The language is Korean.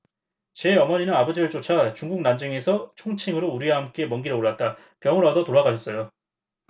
제 어머니는 아버지를 쫓아 중국 난징에서 충칭으로 우리와 함께 먼 길에 올랐다 병을 얻어 돌아가셨어요